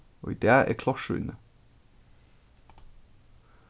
í dag er klárt sýni